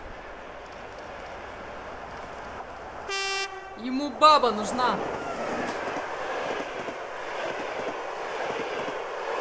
ему баба нужна